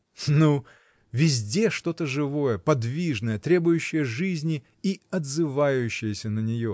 — Ну, везде что-то живое, подвижное, требующее жизни и отзывающееся на нее.